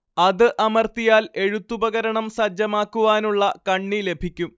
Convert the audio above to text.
അത് അമർത്തിയാൽ എഴുത്തുപകരണം സജ്ജമാക്കുവാനുള്ള കണ്ണി ലഭിക്കും